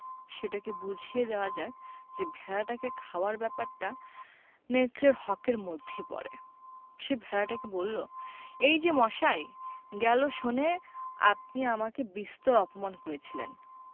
সেটাকে বুঝিয়ে দেওয়া যাক যে ভেড়াটাকে খাওয়ার ব্যাপারটা নেকড়ের হক এর মধ্যেই পড়ে সে ভেড়াটাকে বলল এই যে মশাই গেল সনে আপনি আমাকে বিস্তর অপমান করেছিলেন